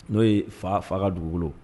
N'o ye fa ka dugukolo